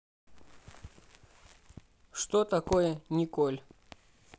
что такое николь